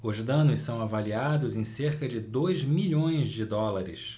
os danos são avaliados em cerca de dois milhões de dólares